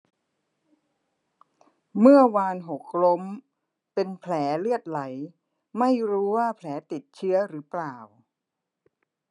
เมื่อวานหกล้มเป็นแผลเลือดไหลไม่รู้ว่าแผลติดเชื้อหรือเปล่า